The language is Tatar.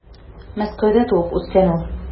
Мәскәүдә туып үскән ул.